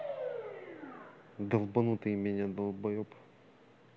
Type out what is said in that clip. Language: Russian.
долбанутые меня долбаеб